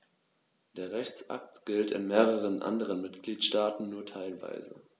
Der Rechtsakt gilt in mehreren anderen Mitgliedstaaten nur teilweise.